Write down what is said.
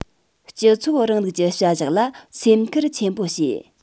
སྤྱི ཚོགས རིང ལུགས ཀྱི བྱ གཞག ལ སེམས ཁུར ཆེན པོ བྱས